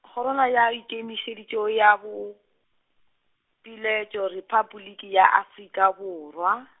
Kgorwana ya e Ikemišeditšego ya bo, pelaetšo Repabliki ya Afrika Borwa.